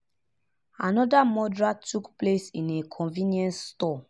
Another murder took place in a convenience store.